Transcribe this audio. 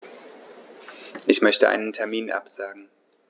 Ich möchte einen Termin absagen.